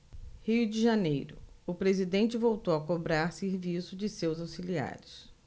rio de janeiro o presidente voltou a cobrar serviço de seus auxiliares